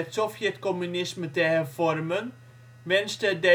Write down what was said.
Sovjet-Communisme te hervormen, wenste het